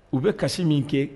U bɛ kasi min kɛ